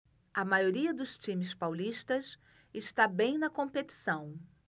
a maioria dos times paulistas está bem na competição